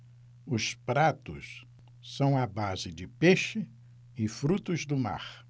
os pratos são à base de peixe e frutos do mar